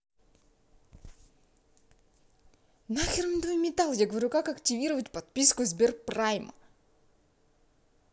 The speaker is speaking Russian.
нахер мне твой металл я говорю как активировать подписку сберпрайм